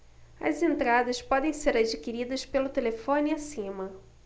as entradas podem ser adquiridas pelo telefone acima